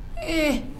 Ee